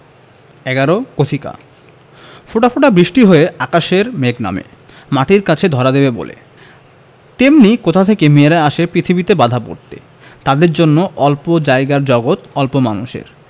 ১১ কথিকা ফোঁটা ফোঁটা বৃষ্টি হয়ে আকাশের মেঘ নামে মাটির কাছে ধরা দেবে বলে তেমনি কোথা থেকে মেয়েরা আসে পৃথিবীতে বাঁধা পড়তে তাদের জন্য অল্প জায়গার জগত অল্প মানুষের